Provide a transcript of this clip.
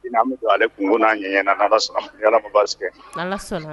Ale kun n'a ɲɛ ala ma baasi